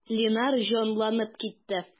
Линар җанланып китте.